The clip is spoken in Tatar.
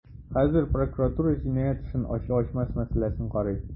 Хәзер прокуратура җинаять эшен ачу-ачмау мәсьәләсен карый.